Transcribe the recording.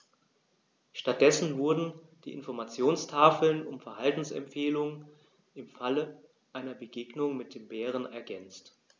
Stattdessen wurden die Informationstafeln um Verhaltensempfehlungen im Falle einer Begegnung mit dem Bären ergänzt.